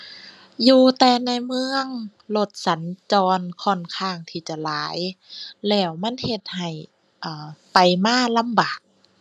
อยู่แต่ในเมือง รถสัญจรค่อนข้างที่จะหลายแล้วมันเฮ็ดให้ เอ่อ ไปมาลำบาก